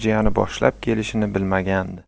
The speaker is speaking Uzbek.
fojiani boshlab kelishini bilmagandi